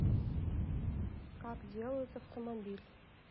как делают автомобиль